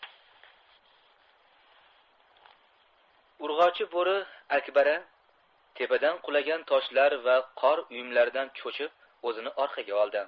urg'ochi bo'ri akbara tepadan qulagan toshlar va qor uyumlaridan cho'chib o'zini orqaga oldi